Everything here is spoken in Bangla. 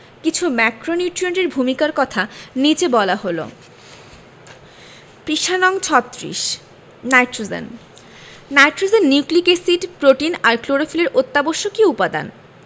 কিছু ম্যাক্রোনিউট্রিয়েন্টের ভূমিকার কথা নিচে বলা হল nitrogen nitrogen nucleic acid protein আর ক্লোরোফিলের অত্যাবশ্যকীয় উপাদান